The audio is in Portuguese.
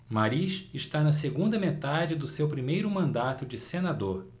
mariz está na segunda metade do seu primeiro mandato de senador